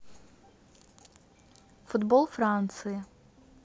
футбол франции